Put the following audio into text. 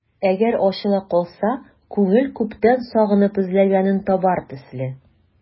Әгәр ачыла калса, күңел күптән сагынып эзләгәнен табар төсле...